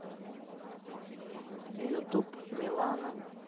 ютуб милана